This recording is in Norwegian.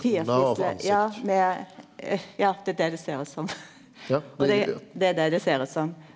firfisle ja med ja det er det det ser ut som og det det er det det ser ut som.